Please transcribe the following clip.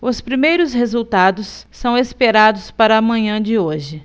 os primeiros resultados são esperados para a manhã de hoje